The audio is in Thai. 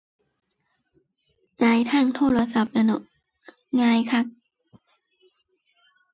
จ่ายทางโทรศัพท์แหล้วเนาะ ง่ายคัก